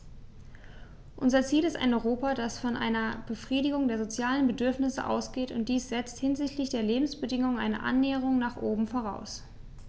Unser Ziel ist ein Europa, das von einer Befriedigung der sozialen Bedürfnisse ausgeht, und dies setzt hinsichtlich der Lebensbedingungen eine Annäherung nach oben voraus.